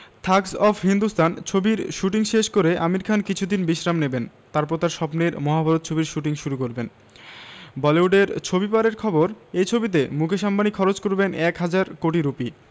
Thugs of Hindustan ছবির shooting শেষ করে আমির খান কিছুদিন বিশ্রাম নেবেন তারপর তাঁর স্বপ্নের মহাভারত ছবির শুটিং শুরু করবেন বলিউডের ছবিপাড়ার খবর এই ছবিতে মুকেশ আম্বানি খরচ করবেন এক হাজার কোটি রুপি